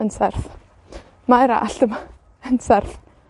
yn serth. Mae'r allt yma yn serth.